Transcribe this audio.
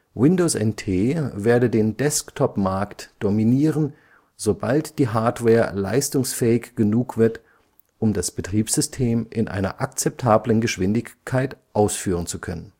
Windows NT werde den Desktopmarkt dominieren, sobald die Hardware leistungsfähig genug wird, um das Betriebssystem in einer akzeptablen Geschwindigkeit ausführen zu können